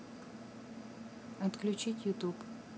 отключить ютуб